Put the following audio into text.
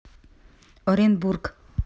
оренбург